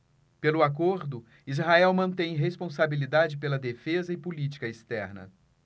pelo acordo israel mantém responsabilidade pela defesa e política externa